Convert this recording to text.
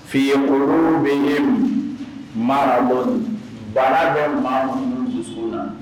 F fiiɲɛkɔrɔ bɛ ye mun marabɔ baara bɛ maa minnu na